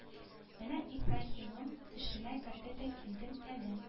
Менә ибраһимым төшемә керде дә килдем әле